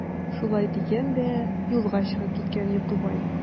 Шулай дигән дә юлга чыгып киткән Йокыбай.